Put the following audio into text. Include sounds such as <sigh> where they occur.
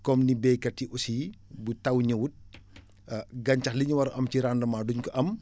comme ni béykat yi aussi bu taw ñëwul <noise> ah gàncax li ñu war a am ci rendement du ñu ko am